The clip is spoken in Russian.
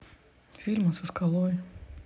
фильмы со скалой